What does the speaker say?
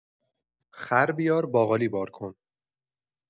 خر بیار باقالی بار کن